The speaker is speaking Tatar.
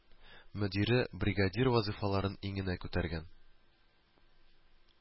Мөдире, бригадир вазыйфаларын иңенә күтәргән